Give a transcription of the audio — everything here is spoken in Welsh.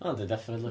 O yndi, definitely.